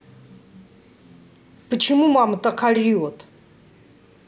почему мама так орет